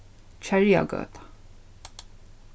kerjagøta